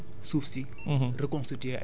dafay permettre suuf si